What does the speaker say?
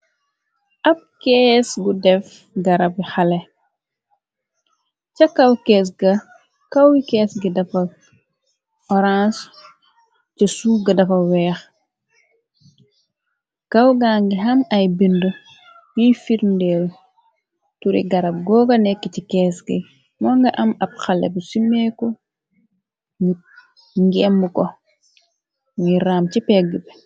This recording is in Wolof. Ab kees gu def garab xale ca kaw kees ga kawi. Kees gi dafa orange ca suuf ga dafa weex kaw ga gi xam ay bind. Yiy firndeel turi garab googa nekk ci kees gi. Moo nga am ab xale bu simeeko ñu ngemm ko ngi raam ci pegg bi.